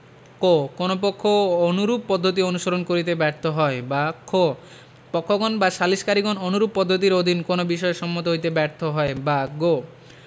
ক কোন পক্ষ অনুরূপ পদ্ধতি অনুসরণ করিতে ব্যর্থ হয় বা খ পক্ষগণ বা সালিসকারীগণ অনুরূপ পদ্ধতির অধীন কোন বিষয়ে সম্মত হইতে ব্যর্থ হয় বা গ